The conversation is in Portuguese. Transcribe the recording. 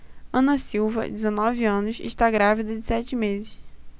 ana silva dezenove anos está grávida de sete meses